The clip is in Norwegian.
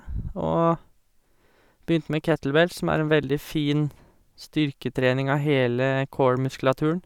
Og begynte med kettlebells, som er en veldig fin styrketrening av hele core-muskulaturen.